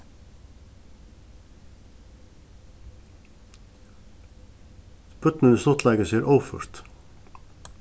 børnini stuttleikaðu sær óført